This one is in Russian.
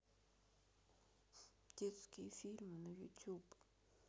детские фильмы на ютуб